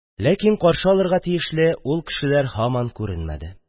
Ләкин каршы алырга тиешле ул кешеләр һаман күренмәде.